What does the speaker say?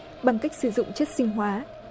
bằng cách sử dụng chất sinh hóa